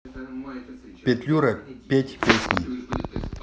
петлюра петь песни